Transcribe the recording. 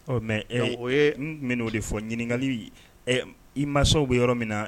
Ɔ mɛ o ye tun bɛ o de fɔ ɲininkali i mansasaw bɛ yɔrɔ min na